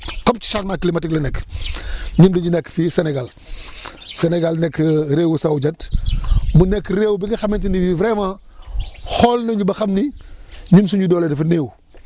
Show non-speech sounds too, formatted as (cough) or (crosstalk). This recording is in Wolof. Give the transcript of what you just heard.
comme ci changement climatique lañ nekk (breath) ñun dañu nekk fii Sénégal (breath) Sénégal nekk réewu sowu jant mu nekk réew bi nga xamante ni bii vraiment xool nañu ba xam ni ñun suñu doole dafa néew